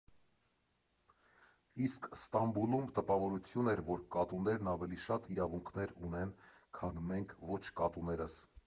Իսկ Ստամբուլում տպավորություն էր, որ կատուներն ավելի շատ իրավունքներ ունեն, քան մենք՝ ոչ կատուներս։